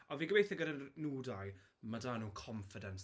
A fi'n gobeithio gyda r- nhw dau, mae 'da nhw confidence.